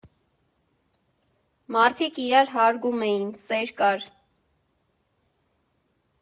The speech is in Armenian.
Մարդիկ իրար հարգում էին, սեր կար։